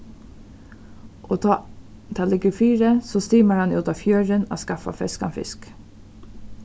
og tá tað liggur fyri so stimar hann út á fjørðin at skaffa feskan fisk